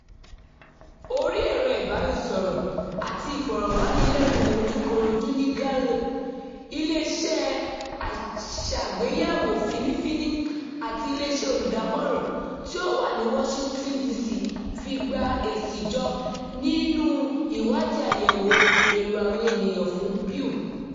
Orí ẹ̀rọ-ìbánisọ̀rọ̀ àti ìfọ̀rọ̀wánilẹ́nuwò ojúkorojú ni Gallup – iléeṣẹ́ aṣàgbéyẹ̀wò fínnífínní àti iléeṣẹ́ olùdámọ̀ràn tí ó wà ní Washington, DC fi gba èsì jọ nínú ìwádìí àyẹ̀wò èrò àwọn ènìyàn-an fún Pew.